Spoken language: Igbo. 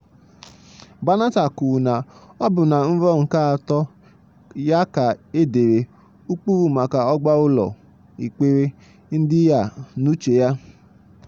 Banatah kwuru na ọ bụ na nrọ nke atọ ya ka e dere ụkpụrụ maka ọgba ụlọ ekpere ndị a n'uche ya.